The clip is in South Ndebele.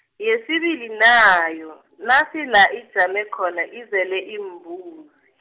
yesibili nayo, nasi la ijame khona izele iimbuzi.